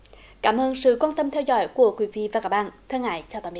cảm ơn sự quan tâm theo dõi của quý vị và các bạn thân ái chào tạm